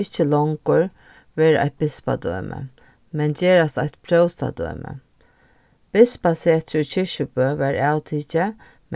ikki longur vera eitt bispadømi men gerast eitt próstadømi bispasetrið í kirkjubø varð avtikið